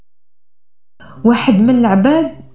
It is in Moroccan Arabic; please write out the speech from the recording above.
واحد من العباد